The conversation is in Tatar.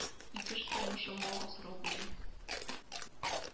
Итеш тормышы мал асрау белән